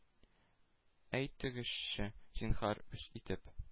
Әйтегезче, зинһар, үз итеп,